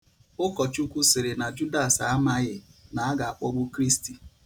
Ụkọchukwu sịrị na Judas amaghị na a ga-akpọgbu Kristị.